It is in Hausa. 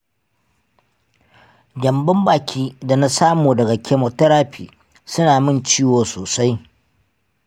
gyambon baki da na samu daga chemotherapy suna min ciwo sosai.